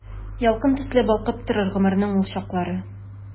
Ялкын төсле балкып торыр гомернең ул чаклары.